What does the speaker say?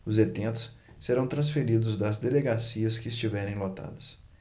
os detentos serão transferidos das delegacias que estiverem lotadas